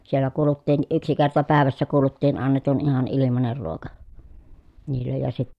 siellä kuuluttiin yksi kerta päivässä kuuluttiin annetun ihan ilmainen ruoka niille ja -